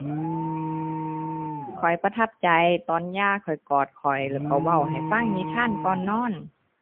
ข้อยประทับใจตอนย่าข้อยกอดข้อย แล้วก็เว้าให้ฟังนิทานก่อนนอน